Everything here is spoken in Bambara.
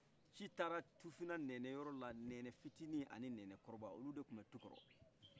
ci taara tufinna nɛnɛ yɔrɔla nɛnɛ fitini ani nɛnɛ kɔrɔba olu de tun bɛ tu kɔrɔ